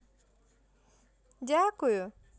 дякую